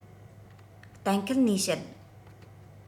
གཏན འཁེལ ནས བཤད